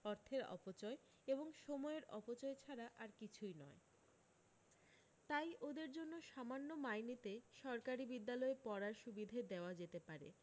অর্থের অপচয় এবং সময়ের অপচয় ছাড়া আর কিছুই নয় তাই ওদের জন্য সামান্য মাইনেতে সরকারী বিদ্যালয়ে পড়ার সুবিধে দেওয়া যেতে পারে